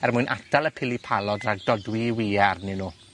Er mwyn atal y pili palod rhag dodwy 'u wye arnyn nw.